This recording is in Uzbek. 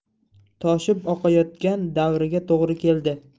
toshib oqayotgan davriga to'g'ri keldi